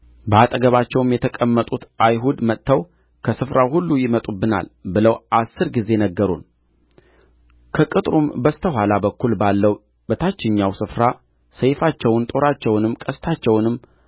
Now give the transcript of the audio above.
በአጠገባቸውም የተቀመጡት አይሁድ መጥተው ከስፍራው ሁሉ ይመጡብናል ብለው አሥር ጊዜ ነገሩን ከቅጥሩም በስተ ኋላ በኩል ባለው በታችኛው ስፍራ ሰይፋቸውን ጦራቸውንም ቀስታቸውንም